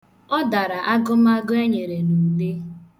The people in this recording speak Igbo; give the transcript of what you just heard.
Ọ dara agụmagụ enyere n' ule.